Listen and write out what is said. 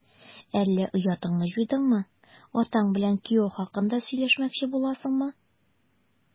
Әллә оятыңны җуйдыңмы, атаң белән кияү хакында сөйләшмәкче буласыңмы? ..